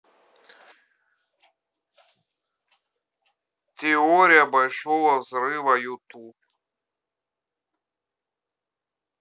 теория большого взрыва ютуб